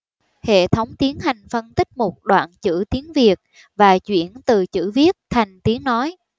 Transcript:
hệ thống tiến hành phân tích một đoạn chữ tiếng việt và chuyển từ chữ viết thành tiếng nói